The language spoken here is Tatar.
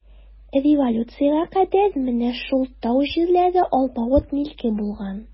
Революциягә кадәр менә шул тау җирләре алпавыт милке булган.